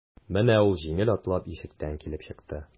Менә ул җиңел атлап ишектән килеп чыкты.